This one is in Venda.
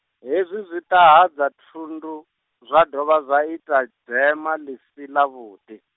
hezwi zwi ṱahadza thundu, zwa dovha zwa ita, dzema ḽi si ḽavhuḓi.